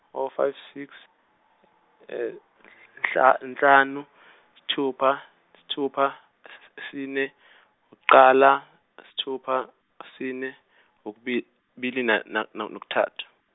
oh five six nhl- nhlanu sithupha sithupha s- sine kuqala sithupha sine ukub- ukubili na- na- nokuthathu.